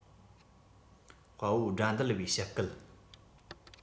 དཔའ བོ དགྲ འདུལ བའི ཞབས བསྐུལ